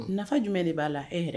Nafa jum de b'a la e yɛrɛ